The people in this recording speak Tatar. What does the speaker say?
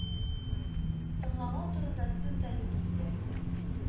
Тыңламау турында сүз дә юк инде: